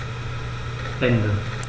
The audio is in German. Ende.